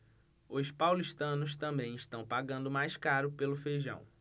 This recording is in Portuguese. os paulistanos também estão pagando mais caro pelo feijão